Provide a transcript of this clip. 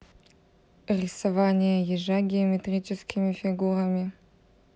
рисования ежа геометрическими фигурами